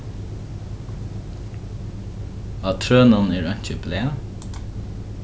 á trøunum er einki blað